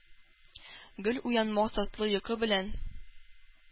Гөл уянмас татлы йокы белән